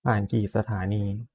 ผ่านกี่สถานี